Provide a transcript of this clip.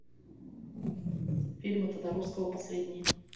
фильмы тодарковского последние